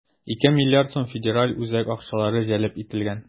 2 млрд сум федераль үзәк акчалары җәлеп ителгән.